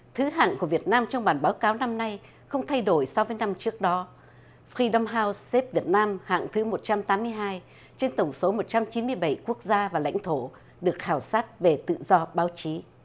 thứ hạng của việt nam trong bản báo cáo năm nay không thay đổi so với năm trước đó phi đom hao xếp việt nam hạng thứ một trăm tám mươi hai trên tổng số một trăm chín mươi bảy quốc gia và lãnh thổ được khảo sát về tự do báo chí